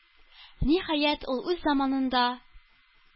Ниһаять, ул үз заманында